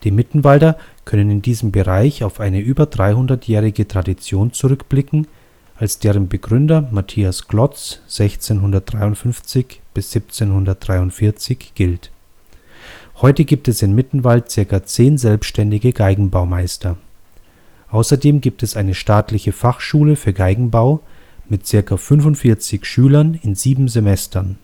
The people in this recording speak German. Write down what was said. Mittenwalder können in diesem Bereich auf eine über 300-jährige Tradition zurückblicken, als deren Begründer Matthias Klotz (1653 – 1743) gilt. Heute gibt es in Mittenwald ca. 10 selbständige Geigenbaumeister. Außerdem gibt es eine staatliche Fachschule für Geigenbau mit ca. 45 Schülern in 7 Semestern